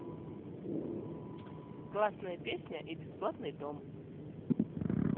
классная песня и бесплатный дом